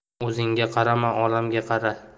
o'zingga qarama olamga qara